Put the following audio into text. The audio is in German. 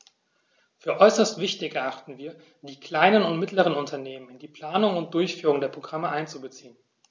Für äußerst wichtig erachten wir, die kleinen und mittleren Unternehmen in die Planung und Durchführung der Programme einzubeziehen.